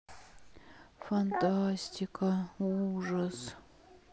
фантастика ужас